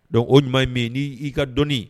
Donc o ɲuman ye min n'i ka dɔnni